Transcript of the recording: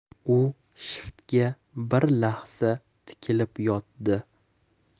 u shiftga bir lahza tikilib yotdi